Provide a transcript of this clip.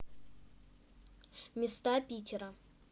места петера